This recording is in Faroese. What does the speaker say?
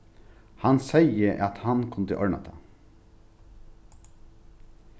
hann segði at hann kundi orðna tað